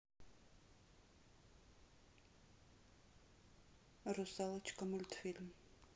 русалочка мультфильм